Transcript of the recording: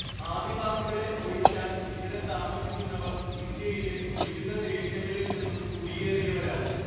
ആദിവാസികളെ ഒഴിച്ചാൽ ഇവിടെ താമസിക്കുന്നവർ ഇന്ത്യയിലെ വിവിധ ദേശങ്ങളിൽ നിന്നും കുടിയേറിയവരാണ്‌